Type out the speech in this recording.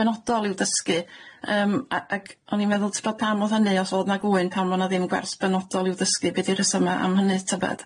benodol i'w dysgu yym a- ag o'n i'n meddwl t'bod pam odd hynny os o'dd na gwyn pan o' na ddim gwers benodol i'w dysgu be' di rhesyma am hynny tybed?